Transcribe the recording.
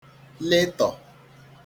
letọ̀